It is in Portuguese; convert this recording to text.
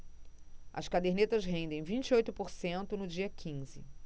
as cadernetas rendem vinte e oito por cento no dia quinze